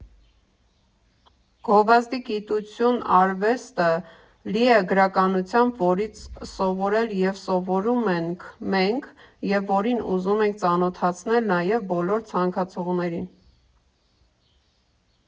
Գովազդի գիտություն֊արվեստը լի է գրականությամբ, որից սովորել և սովորում ենք մենք, և որին ուզում ենք ծանոթացնել նաև բոլոր ցանկացողներին։